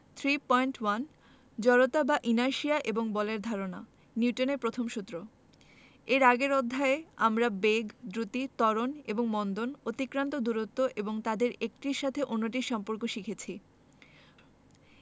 3.1 জড়তা এবং বলের ধারণা নিউটনের প্রথম সূত্র Inertia and Concept of Force Newtons First Law এর আগের অধ্যায়ে আমরা বেগ দ্রুতি ত্বরণ এবং মন্দন অতিক্রান্ত দূরত্ব এবং তাদের একটির সাথে অন্যটির সম্পর্ক শিখেছি